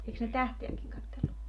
eikös ne tähtiäkin katsellut